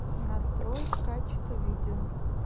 настроить качество видео